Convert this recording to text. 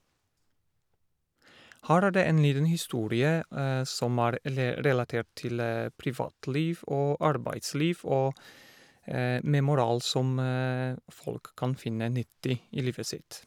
Her er det en liten historie som er ele relatert til privatliv og arbeidsliv, og med moral som folk kan finne nyttig i livet sitt.